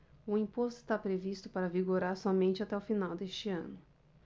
o imposto está previsto para vigorar somente até o final deste ano